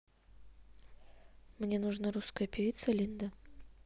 мне нужна русская певица линда